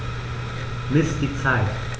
Miss die Zeit.